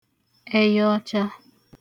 ẹyọọcha